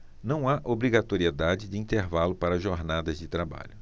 não há obrigatoriedade de intervalo para jornadas de trabalho